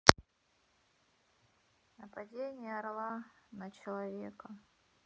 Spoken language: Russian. нападение орла на человека